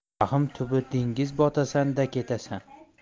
vahm tubi dengiz botasan da ketasan